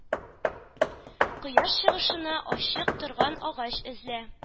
Кояш чыгышына ачык торган агач эзлә.